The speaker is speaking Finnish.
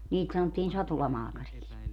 niitä sanottiin satulamaakariksi